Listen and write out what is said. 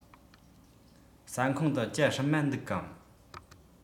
ཟ ཁང དུ ཇ སྲུབས མ འདུག གམ